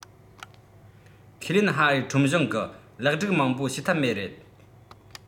ཁས ལེན ཧྭ ཨེར ཁྲོམ གཞུང གི ལེགས སྒྲིག མང པོ བྱས ཐབས མེད རེད